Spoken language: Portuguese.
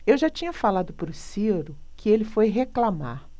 eu já tinha falado pro ciro que ele foi reclamar